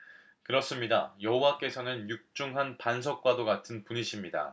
그렇습니다 여호와께서는 육중한 반석과도 같은 분이십니다